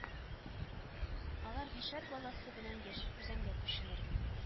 Алар бишәр баласы белән Яшел Үзәнгә күченерме